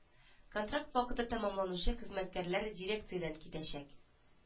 Контракт вакыты тәмамланучы хезмәткәрләр дирекциядән китәчәк